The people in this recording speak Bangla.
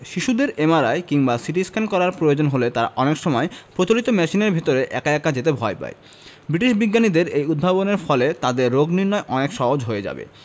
শিশুদের এমআরআই কিংবা সিটিস্ক্যান করার প্রয়োজন হলে তারা অনেক সময় প্রচলিত মেশিনের ভেতর একা একা যেতে ভয় পায় ব্রিটিশ বিজ্ঞানীদের এই উদ্ভাবনের ফলে তাদের রোগনির্নয় অনেক সহজ হয়ে যাবে